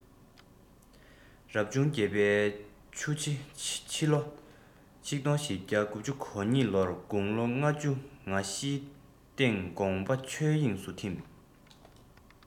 རབ བྱུང བརྒྱད པའི ཆུ བྱི ཕྱི ལོ ༡༤༩༢ ལོར དགུང ལོ ལྔ བཅུ ང བཞིའི སྟེང དགོངས པ ཆོས དབྱིངས སུ འཐིམས